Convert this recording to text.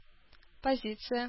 Позиция